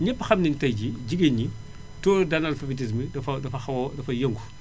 ñépp xam nañu ne tay jii jigéen ñi taux d' analphabétisme bi dafa dafa xaw a dafa yëngu